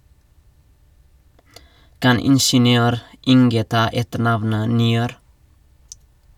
- Kan ingeniør Inge ta etternavnet Niør?